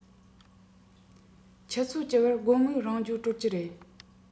ཆུ ཚོད བཅུ པར དགོང མོའི རང སྦྱོང གྲོལ གྱི རེད